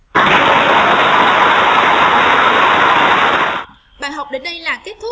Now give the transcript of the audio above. bài học đến đây là kết